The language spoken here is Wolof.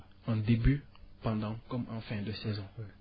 en début pendant comme en fin :fre de saison